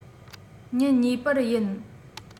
ཉིན གཉིས པར ཡིན